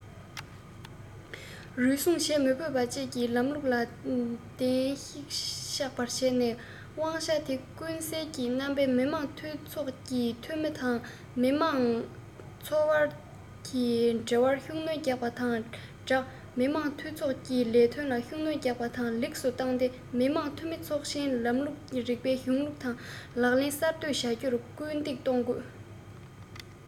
རུལ སུངས བྱེད མི ཕོད པ བཅས ཀྱི ལམ སྲོལ ནུས ལྡན ཞིག ཆགས པར བྱས ནས དབང ཆ དེ ཀུན གསལ གྱི རྣམ པའི མི དམངས འཐུས ཚོགས ཀྱི འཐུས མི དང མི དམངས མང ཚོགས དབར གྱི འབྲེལ བར ཤུགས སྣོན རྒྱག པ དང སྦྲགས མི དམངས འཐུས ཚོགས ཀྱི ལས དོན ལ ཤུགས སྣོན རྒྱག པ དང ལེགས སུ བཏང ནས མི དམངས འཐུས མི ཚོགས ཆེན ལམ ལུགས ཀྱི རིགས པའི གཞུང ལུགས དང ལག ལེན གསར གཏོད བྱ རྒྱུར སྐུལ འདེད གཏོང དགོས